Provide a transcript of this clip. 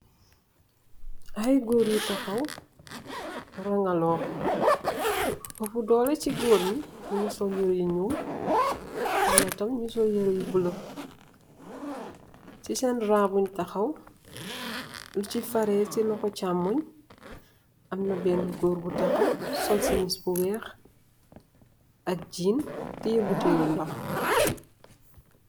Aye goor yu takhaw rangaloh opu duleh si goor yi mungi sul yereh bu nyull amna tam nyu sul yereh lu bulah si sen raa bunj takhaw munge fareh si luxho chamm moi amna benah goor bu takhaw sul simish bu wekh ak geen teyeh butel bu wekh